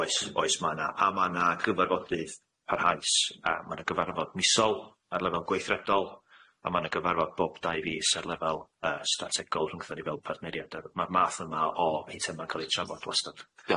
Oes oes ma' na a ma' na gyfarfodydd parhaus, a ma' na gyfarfod misol ar lefel gweithredol a ma' na gyfarfod bob dau fis ar lefel yy strategol rhwngtho ni fel partneriad a ma'r math yma o o eitemau'n ca'l eu trafodd wastad.